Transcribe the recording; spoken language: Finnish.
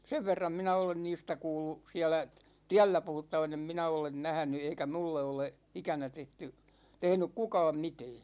sen verran minä olen niistä kuullut siellä tiellä puhuttavan en minä ole nähnyt eikä minulle ole ikänä tehty tehnyt kukaan mitään